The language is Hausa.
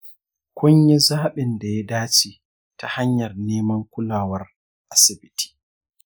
kun yi zaɓin da ya dace ta hanyar neman kulawar asibiti.